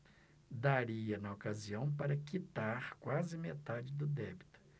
daria na ocasião para quitar quase metade do débito